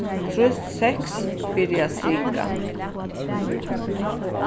trýst seks fyri at strika